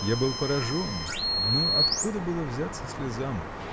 Я был поражен; но откуда было взяться слезам?